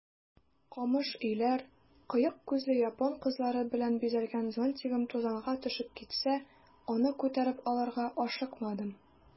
Камыш өйләр, кыек күзле япон кызлары белән бизәлгән зонтигым тузанга төшеп китсә, аны күтәреп алырга ашыкмадым.